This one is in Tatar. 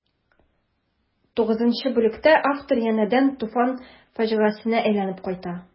Тугызынчы бүлектә автор янәдән Туфан фаҗигасенә әйләнеп кайта.